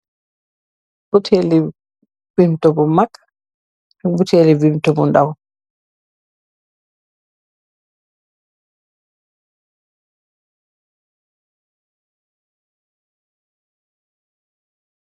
Bottèli vimto bu mak ak bottèli vimto bu ndaw.